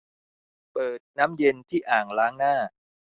เปิดน้ำเย็นที่อ่างล้างหน้า